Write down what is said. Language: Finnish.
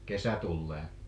kesä tulee